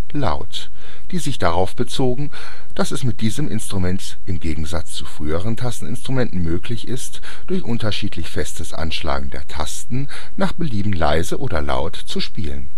laut “), die sich darauf bezogen, dass es mit diesem Instrument im Gegensatz zu früheren Tasteninstrumenten möglich ist, durch unterschiedlich festes Anschlagen der Tasten nach Belieben leise oder laut zu spielen